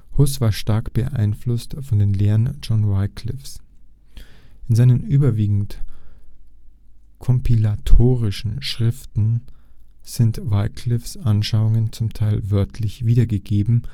Hus war stark beeinflusst von den Lehren John Wyclifs. In seinen überwiegend kompilatorischen Schriften sind Wyclifs Anschauungen zum Teil wörtlich wiedergegeben